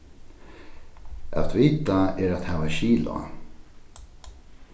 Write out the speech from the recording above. at vita er at hava skil á